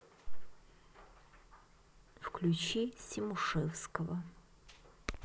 включи симушевского